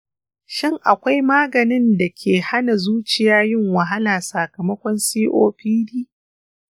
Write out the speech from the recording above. shin akwai maganin da ke hana zuciya yin wahala sakamakon copd?